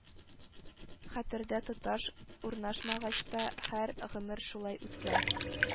Хәтердә тоташ урнашмагач та, һәр гомер шулай үткән